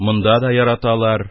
Монда да яраталар,